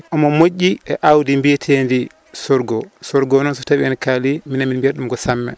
omo moƴƴi e awdi biyatedi sorgho sorgho noon so tawi enen en kaali minen min biyata ɗum ko samme